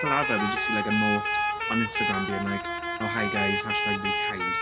Fel arfer we just see like a note on Instagram being like "oh, hi guys hashtag be kind".